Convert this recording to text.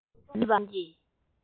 མི ཤུགས ཡོད པ རྣམས ཀྱིས